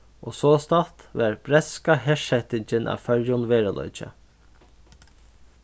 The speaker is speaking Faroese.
og sostatt varð bretska hersetingin av føroyum veruleiki